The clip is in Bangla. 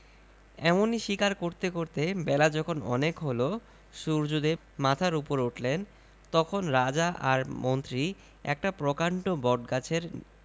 এমনি শিকার করতে করতে বেলা যখন অনেক হল সূর্যদেব মাথার উপর উঠলেন তখন রাজা আর মন্ত্রী একটা প্রকাণ্ড বটগাছের